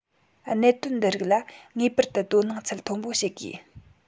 གནད དོན འདི རིགས ལ ངེས པར དུ དོ སྣང ཚད མཐོན པོ བྱེད དགོས